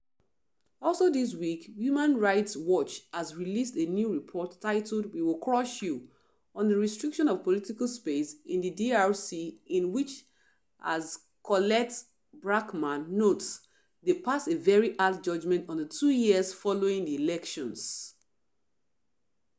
Also this week Human Rights Watch has released a new report titled “We will crush you“, on the restriction of political space in the DRC in which as Colette Braeckman notes “they pass a very hard judgement on the two years following the elections”.